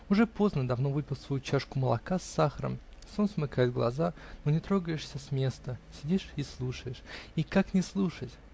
уже поздно, давно выпил свою чашку молока с сахаром, сон смыкает глаза, но не трогаешься с места, сидишь и слушаешь. И как не слушать?